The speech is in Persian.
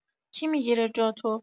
کی می‌گیره جاتو؟